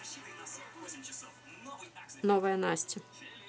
новая настя